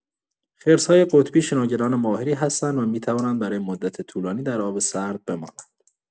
خرس‌های قطبی شناگران ماهری هستند و می‌توانند برای مدت طولانی در آب سرد بمانند.